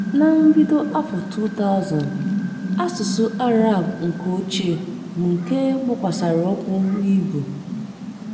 Na mbido afọ 2000, asụsụ Arab nke ochie bụ nke gbakwasara ụkwụ n'ịbụ